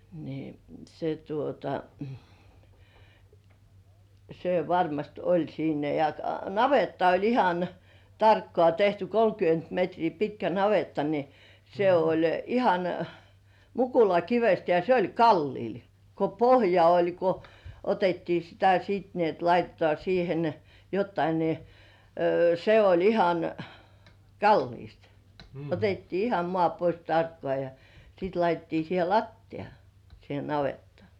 niin se tuota se varmasti oli siinä ja navetta oli ihan tarkkaan tehty kolmekymmentä metriä pitkä navetta niin se oli ihan mukulakivestä ja se oli kalliolla kun pohja oli kun otettiin sitä sitten niin että laitetaan siihen jotakin niin se oli ihan kalliosta otettiin ihan maa pois tarkkaan ja sitten laitettiin siihen lattia siihen navettaan